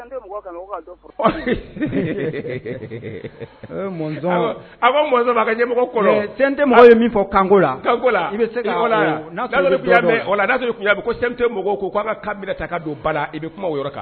Zɔnzɔn ɲɛ ye fɔkoa minɛ ta don yɔrɔ